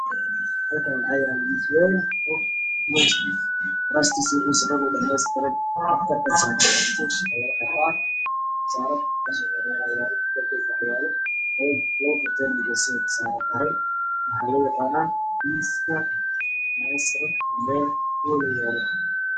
Halkaan waxaa yaalo miis weyn